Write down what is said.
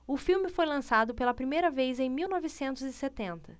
o filme foi lançado pela primeira vez em mil novecentos e setenta